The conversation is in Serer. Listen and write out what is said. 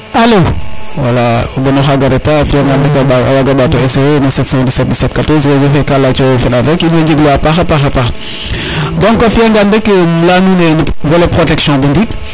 alo wala bono xaga reta a fiya ngan rek a waga mbato essayer 7171714 réseau fe ka yaco feɗar rek in way njeglu wa a paxa paax donc a fiya ngaan rek im leya nuun ne volet protection bo ndik